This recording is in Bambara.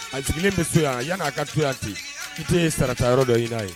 A jigin bɛ se yan yan n'a ka to ki tɛ sarata yɔrɔ dɔ ɲin n'a ye